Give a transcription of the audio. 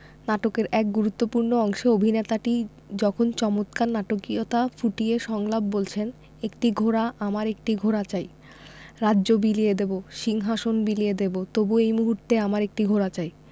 নাটকের এক গুরুত্তপূ্র্ণ অংশে অভিনেতাটি যখন চমৎকার নাটকীয়তা ফুটিয়ে সংলাপ বলছেন একটি ঘোড়া আমার একটি ঘোড়া চাই রাজ্য বিলিয়ে দেবো সিংহাশন বিলিয়ে দেবো তবু এই মুহূর্তে আমার একটি ঘোড়া চাই